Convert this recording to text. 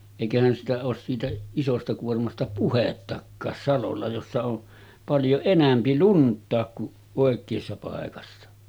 eikähän sitä ole siitä isosta kuormasta puhettakaan salolla jossa on paljon enempi luntakin kuin oikeassa paikassa